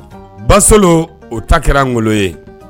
Basolon o ta kɛra ngolo ye